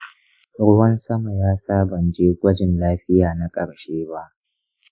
ruwan sama ya sa ban je gwajin lafiya na ƙarshe ba.